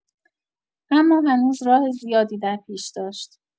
اما هنوز راه زیادی در پیش داشت.